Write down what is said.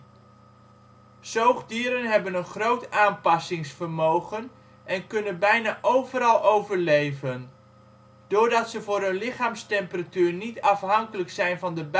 Zoogdieren hebben een groot aanpassingsvermogen en kunnen bijna overal overleven. Doordat ze voor hun lichaamstemperatuur niet afhankelijk zijn van de